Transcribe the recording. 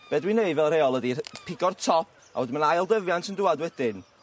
Be' dwi'n neud fel rheol ydi rh- pigo'r top a wedyn ma' 'na ail dyfiant yn dŵad wedyn